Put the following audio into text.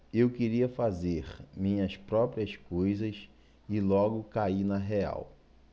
eu queria fazer minhas próprias coisas e logo caí na real